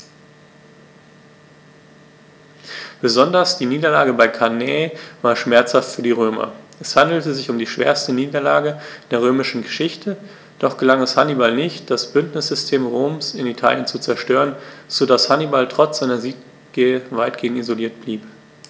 Besonders die Niederlage bei Cannae war schmerzhaft für die Römer: Es handelte sich um die schwerste Niederlage in der römischen Geschichte, doch gelang es Hannibal nicht, das Bündnissystem Roms in Italien zu zerstören, sodass Hannibal trotz seiner Siege weitgehend isoliert blieb.